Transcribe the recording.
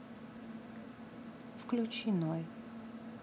включи ной